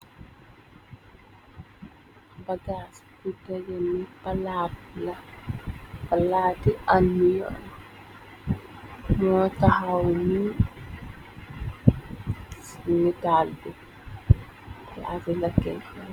Bagas bu genni palaati anniyoon mo taxaw ni ci nitalbi yafi lakke.